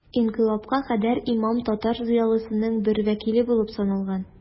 Инкыйлабка кадәр имам татар зыялысының бер вәкиле булып саналган.